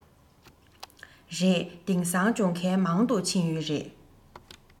རེད དེང སང སྦྱོང མཁན མང དུ ཕྱིན ཡོད རེད